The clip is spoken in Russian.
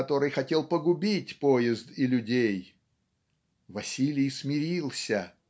который хотел погубить поезд и людей. Василий смирился.